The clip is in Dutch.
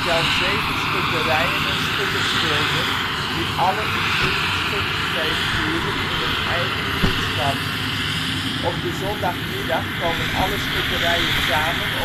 zeven schutterijen en schuttersgilden, die alle in juli schuttersfeest vieren in hun eigen buurtschap. Op de zondagmiddag komen alle schutterijen samen